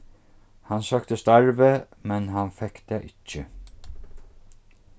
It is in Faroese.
hann søkti starvið men hann fekk tað ikki